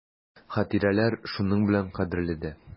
Хатирәләр шуның белән кадерле дә.